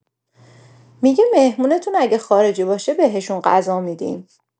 می‌گه مهمونتون اگه خارجی باشه بهشون غذا می‌دیم.